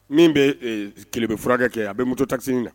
Min bɛ kɛlɛ bɛ furakɛ kɛ a bɛ muso tase na